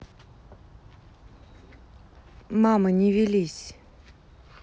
мама не велись